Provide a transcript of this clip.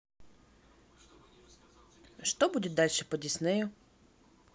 что будет дальше по диснею